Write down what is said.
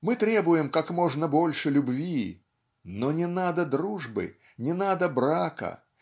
мы требуем как можно больше любви но не надо дружбы не надо брака